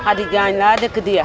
Khady Diagne laa dëkk Dya